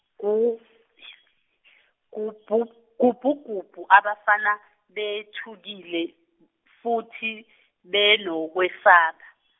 gu- , gubhu gubhu gubhu abafana, bethukile, futhi, benokwesaba .